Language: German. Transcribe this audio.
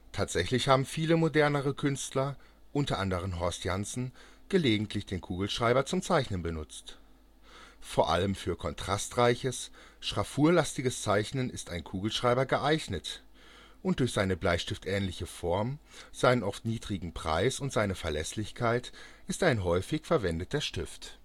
Tatsächlich haben viele modernere Künstler, unter anderem Horst Janssen, gelegentlich den Kugelschreiber zum Zeichnen benutzt. Vor allem für kontrastreiches, schraffurenlastiges Zeichnen ist ein Kugelschreiber geeignet, und durch seine bleistiftähnliche Form, seinen oft niedrigen Preis und seine Verlässlichkeit ist er ein häufig verwendeter Stift